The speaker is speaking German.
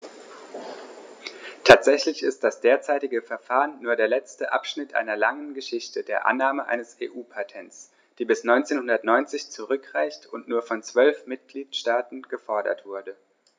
Tatsächlich ist das derzeitige Verfahren nur der letzte Abschnitt einer langen Geschichte der Annahme eines EU-Patents, die bis 1990 zurückreicht und nur von zwölf Mitgliedstaaten gefordert wurde.